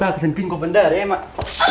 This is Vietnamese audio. ta bị thần kinh có vấn đề đấy em ạ